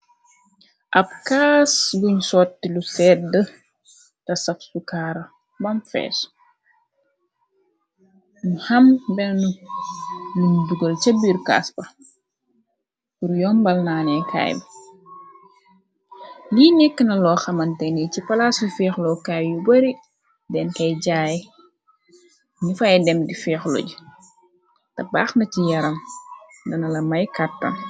Ab kaas buñ sotti lu sedd ta sabsu kaara bam fees mu xam benu muñu dugal ca biiru caaspa bur yombal naanee kaay bi li nekk na loo xamante ni ci palaas yu feexloo kaay yu bari deen kay jaay ni fay dem di feexlo ji te baaxna ci yaram dana la may kàttam.